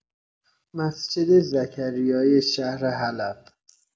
مسجد زکریای شهر حلب